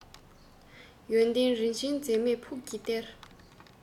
ཡོན ཏན རིན ཆེན འཛད མེད ཕུགས ཀྱི གཏེར